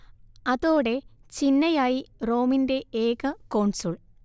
അതോടേ ചിന്നയായി റോമിന്റെ ഏക കോൺസുൾ